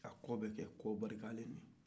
a kɔ bɛ kɛ kɔ barikaman ye